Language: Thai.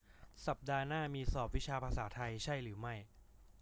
สัปดาห์หน้ามีสอบวิชาภาษาไทยใช่หรือไม่